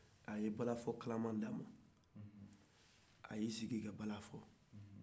a ye balafɔ kalama d'a ma a y'i sigi ka bala fɔ